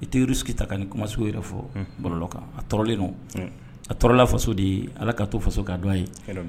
I tɛ sigi ta ka ni kumaso yɛrɛ balolɔ kan alen a torala faso de ye ala ka to faso ka dɔn ye